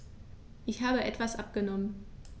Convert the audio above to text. Ich habe etwas abgenommen.